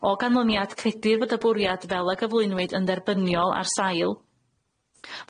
O ganlyniad credir fod y bwriad fel a gyflwynwyd yn dderbyniol ar sail